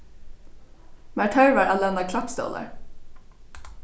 mær tørvar at læna klappstólar